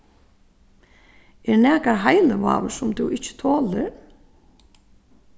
er nakar heilivágur sum tú ikki tolir